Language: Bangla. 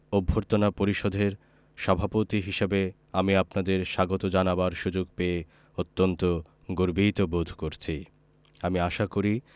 অভ্যর্থনা পরিষদের সভাপতি হিসেবে আমি আপনাদের স্বাগত জানাবার সুযোগ পেয়ে অত্যন্ত গর্বিত বোধ করছি আমি আশা করি